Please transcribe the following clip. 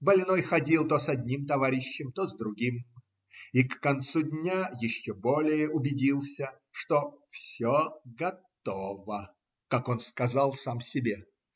Больной ходил то с одним товарищем, то с другим и к концу дня еще более убедился, что "все готово", как он сказал сам себе.